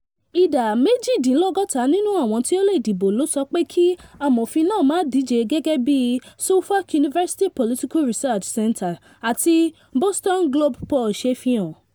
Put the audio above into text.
Ìdá méjìdínlọ́gọ́ta nínú àwọn tí ó lè dìbò ló sọ pé kí amòfin náà má díje gẹ́gẹ́ bí Suffolk University Political Research Ceenter àti Boston Globe poll ṣe fi hàn.